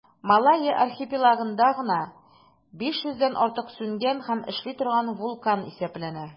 Малайя архипелагында гына да 500 дән артык сүнгән һәм эшли торган вулкан исәпләнә.